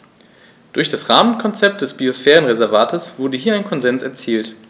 Durch das Rahmenkonzept des Biosphärenreservates wurde hier ein Konsens erzielt.